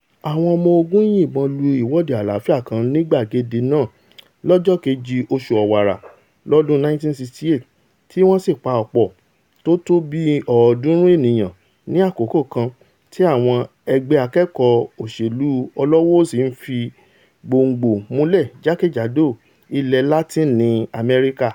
Àwọn ọmọ ogun yìnbọn lu ìwọ́de alálàáfíà kan ni gbàgede náà lọ́jọ́ kejì oṣù Ọ̀wàrà, lọ́dún 1968, tíwọ́n sì pa ọ̀pọ̀ tí ó tó bíi ọ̀ọ́dúrun ènìyàn ní àkókò kan tí àwọn ẹgbẹ́ àkẹ́kọ̀ọ́ òṣèlú ọlọ́wọ́-òsì ńfi gbòǹgbò múlẹ̀ jákè-jádò ilẹ̀ Látìnì Amẹ́ríkà.